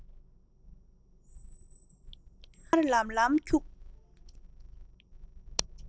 གློག དམར ལམ ལམ འཁྱུག